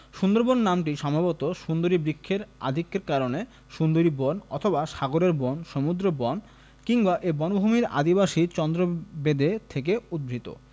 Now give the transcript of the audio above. সুন্দরবন নামটি সম্ভবত সুন্দরী বৃক্ষের আধিক্যের কারণে সুন্দরী বন অথবা সাগরের বন সমুদ্র বন কিংবা এ বনভূমির আদিবাসী চন্দ্রবেদে থেকে উদ্ভূত